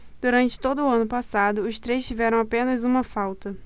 durante todo o ano passado os três tiveram apenas uma falta